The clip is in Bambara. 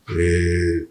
Ɛɛ